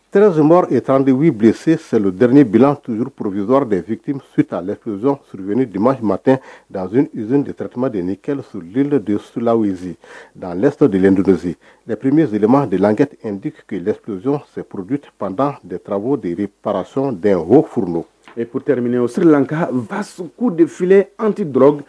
Rezpre 1dibilense selidrini bila sur pury de fitti su ta z suryini desmatzz deteti de ni kɛ sur lie de sulaze danlɛs dede pmeezema de lakɛtedi urzpurdi pand de tarawelebu de parazcon de hurdo e pptereminɛ osi la ka basku defi anti dɔrɔn